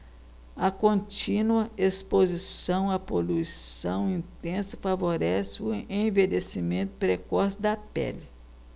a contínua exposição à poluição intensa favorece o envelhecimento precoce da pele